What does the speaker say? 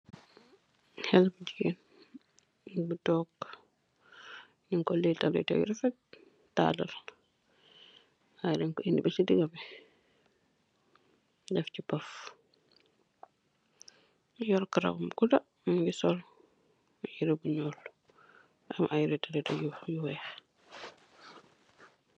Haleh bu jigeen bu lehtuu lehta bu rafet tai sol nyehreh bu nyeou.